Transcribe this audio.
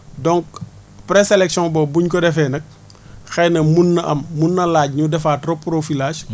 donc pré sellection boobu bu ñu ko defee nag xëy na mun na am mun na laaj ñuy defaat reprofilage